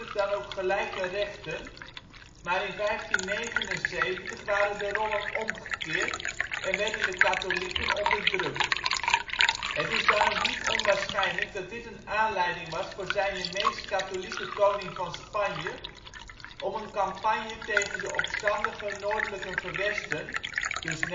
dan ook gelijke rechten, maar in 1579 waren de rollen omgekeerd en werden de katholieken onderdrukt. Het is dan ook niet onwaarschijnlijk dat dit een aanleiding was voor " zijne meest katholieke koning van Spanje " om een campagne tegen de opstandige noordelijke gewesten (ie. de Nederlanden